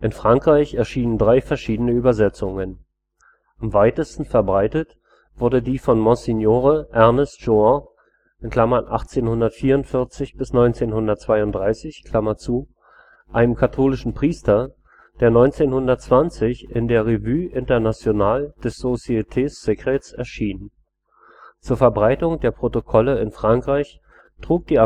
Frankreich erschienen drei verschiedene Übersetzungen. Am weitesten verbreitet wurde die von Monsignore Ernest Jouin (1844 – 1932), einem katholischen Priester, die 1920 in der Revue Internationale des Sociétés Secrètes erschien. Zur Verbreitung der Protokolle in Frankreich trug die